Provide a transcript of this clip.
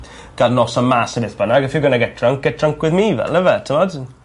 gal noson mas ne' beth bynnag if you're gonna get drunk get drunk with me fel yfe t'mod?